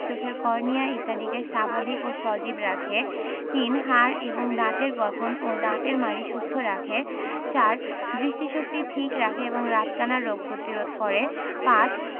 চোখের কর্নিয়া ইত্যাদিকে স্বাভাবিক ও সজীব রাখে ৩. হাড় এবং দাঁতের গঠন এবং দাঁতের মাড়ি সুস্থ রাখে ৪. দৃষ্টিশক্তি ঠিক রাখে এবং রাতকানা রোগ প্রতিরোধ করে ৫.